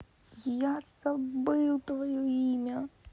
я забыл твое имя